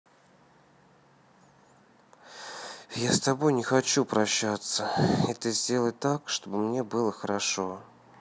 я с тобой не хочу прощаться и ты сделай так чтобы мне было хорошо